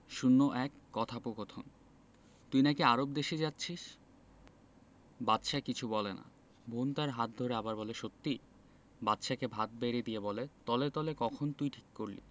০১ কথাপকথন তুই নাকি আরব দেশে যাচ্ছিস বাদশা কিছু বলে না বোন তার হাত ধরে আবার বলে সত্যি বাদশাকে ভাত বেড়ে দিয়ে বলে তলে তলে কখন তুই ঠিক করলি